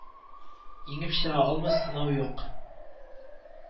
Иңеп чыга алмас сынау юк